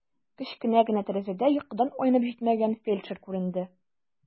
Кечкенә генә тәрәзәдә йокыдан айнып җитмәгән фельдшер күренде.